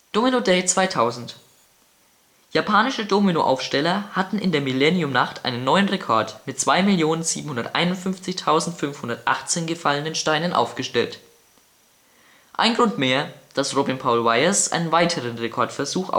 Domino Day 2000 Japanische Dominoaufsteller hatten in der Millenniumnacht einen neuen Rekord mit 2.751.518 gefallenen Steinen aufgestellt. Ein Grund mehr, dass Robin Paul Weijers einen weiteren Rekordversuch